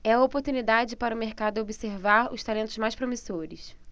é a oportunidade para o mercado observar os talentos mais promissores